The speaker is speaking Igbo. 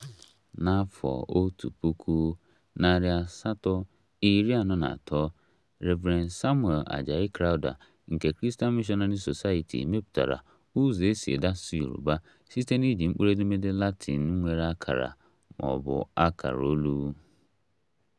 N'afọ 1843, Reverend Samuel Àjàyí Crowther nke Christian Missionary Society mepụtara ụzọ e si ede asụsụ Yorùbá site n'iji mkpụrụedemede Latin nwere akara — ma ọ bụ akara olu.